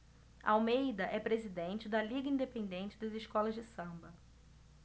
almeida é presidente da liga independente das escolas de samba